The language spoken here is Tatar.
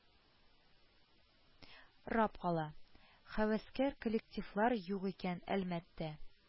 Рап кала: һәвәскәр коллективлар юк икән әлмәттә